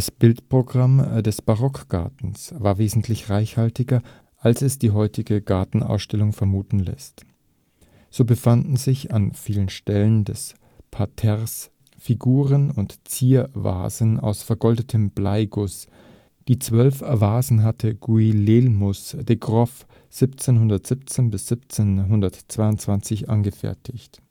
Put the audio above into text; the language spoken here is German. Bildprogramm des Barockgartens war wesentlich reichhaltiger, als es die heutige Gartenausstattung vermuten lässt. So befanden sich an vielen Stellen des Parterres Figuren und Ziervasen aus vergoldetem Bleiguss, die zwölf Vasen hatte Guillielmus de Groff 1717 – 22 angefertigt